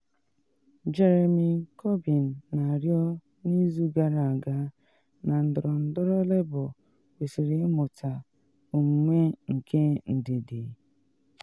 Jeremy Corbyn na arịọ n’izu gara aga na ndọrọndọrọ Labour kwesịrị ịmụta omume nke ndidi.